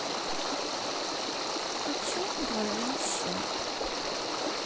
хочу двойной счет